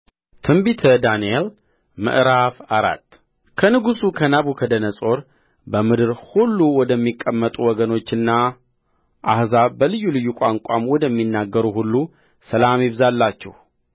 ትንቢተ ዳንኤል ምዕራፍ አራት ከንጉሡ ከናቡከደነፆር በምድር ሁሉ ወደሚቀመጡ ወገኖችና አሕዛብ በልዩ ልዩ ቋንቋም ወደሚናገሩ ሁሉ ሰላም ይብዛላችሁ